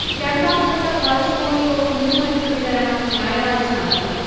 രണ്ടാംഘട്ട pulse polio തുള്ളിമരുന്ന് വിതരണം ഞായറാഴ്ച നടക്കും